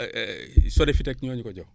Sodefitex ñoo ñu ko jox